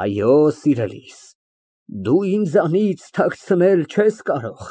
Այո, սիրելիս, դու ինձանից թաքցնել չես կարող։